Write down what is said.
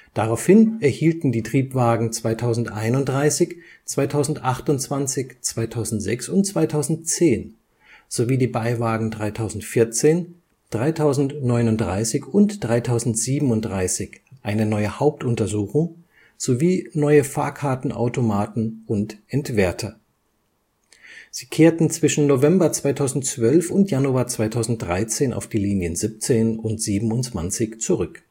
Daraufhin erhielten die Triebwagen 2031, 2028, 2006 und 2010 sowie die Beiwagen 3014, 3039 und 3037 eine neue Hauptuntersuchung sowie neue Fahrkartenautomaten und Entwerter. Sie kehrten zwischen November 2012 und Januar 2013 auf die Linien 17 und 27 zurück